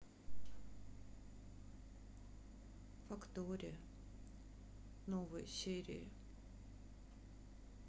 фактория новые серии